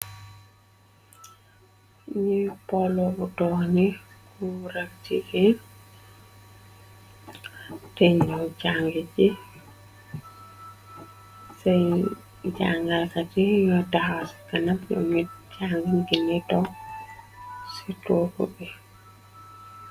ñuy polo bu tox ni kurak jige te ñu jàng ci say jàngalkate ño taxas kanab yoo mi jàngal gi nitop ci tooku bi